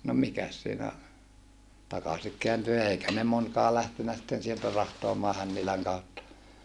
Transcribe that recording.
no mikäs siinä takaisin kääntyi eikä ne monikaan lähtenyt sitten sieltä rahtaamaan Hännilän kautta